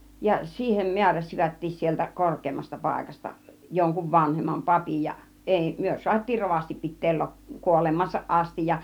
ja siihen määräsivätkin sieltä korkeammasta paikasta jonkun vanhemman papin ja ei me saatiin rovasti pitää - kuolemaansa asti ja